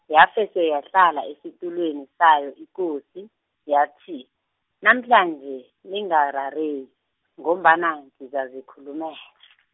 yafese yahlala esitulweni sayo ikosi, yathi, namhlanje ningarareki ngombana ngizazikhulumela.